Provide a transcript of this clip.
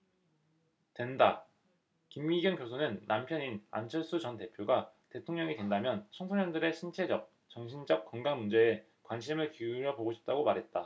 된다 김미경 교수는 남편인 안철수 전 대표가 대통령이 된다면 청소년들의 신체적 정신적 건강 문제에 관심을 기울여 보고 싶다고 말했다